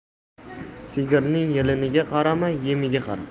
sigirning yeliniga qarama yemiga qara